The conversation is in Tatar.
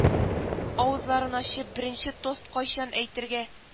Авызларын ачып, беренче тост кайчан әйтергә